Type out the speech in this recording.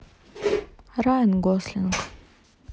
райан гослинг